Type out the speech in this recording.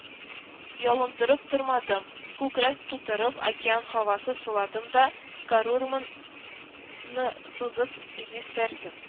Ялындырып тормадым, күкрәк тутырып океан һавасы суладым да «Карурман»ны сузып җиффәрдем